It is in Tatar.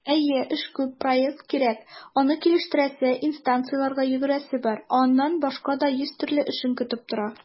Әйе, эше күп - проект кирәк, аны килештерәсе, инстанцияләргә йөгерәсе бар, ә аннан башка да йөз төрле эшең көтеп тора.